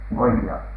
oikealla